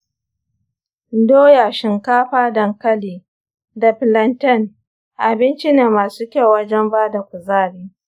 doya, shinkafa, dankali, da plantain abinci ne masu kyau wajen ba da kuzari.